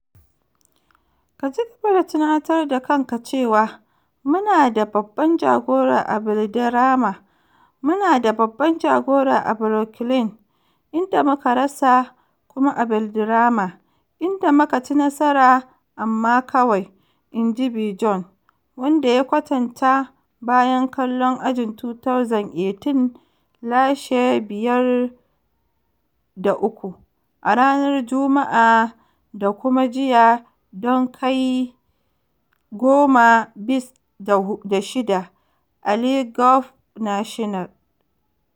"Ka ci gaba da tunatar da kanka cewa mu na da babban jagora a Valderrama, mu na da babban jagora a Brookline, inda muka rasa, kuma a Valderrama, inda muka ci nasara, amma kawai," inji Bjorn, wanda ya kwatanta, bayan kallon Ajin 2018 lashe 5-3 a ranar Jumma'a da kuma jiya don kai 10-6 a Le Golf National.